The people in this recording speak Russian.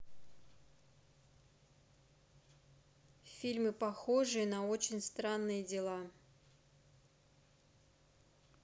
фильмы похожие на очень странные дела